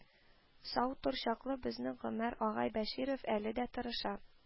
Сау тор чаклы, безнең гомәр агай бәширов , әле дә тырыша,